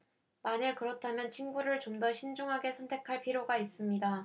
만일 그렇다면 친구를 좀 더 신중하게 선택할 필요가 있습니다